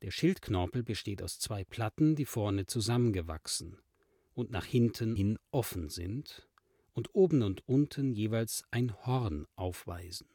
Schildknorpel besteht aus zwei Platten, die vorne zusammengewachsen und nach hinten hin offen sind und oben und unten jeweils ein Horn aufweisen